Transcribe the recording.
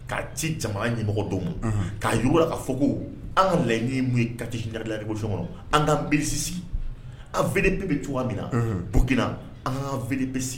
K'a ci jama ɲɛmɔgɔ dɔw ma k'a yougula'a fɔ ko an ka lajɛ ye katigi garili so kɔnɔ an'ansi sigi anbe bɛ tu min na bonna an' bɛ sigi